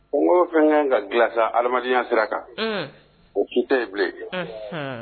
Ngɔ fɛn kan ka dilansa adamadenyaya sira kan o ki ye bilen ye